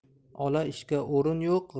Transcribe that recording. ola ishga o'rin yo'q